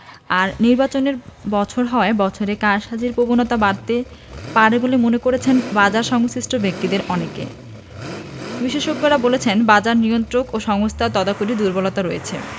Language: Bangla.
আর নির্বাচনের বছর হওয়ায় বাজারে কারসাজির প্রবণতা বাড়তে পারে বলে মনে করছেন বাজারসংশ্লিষ্ট ব্যক্তিদের অনেকে বিশেষজ্ঞরা বলেছেন বাজারে নিয়ন্ত্রক সংস্থার তদাকরি দুর্বলতা রয়েছে